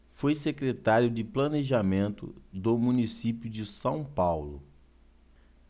foi secretário de planejamento do município de são paulo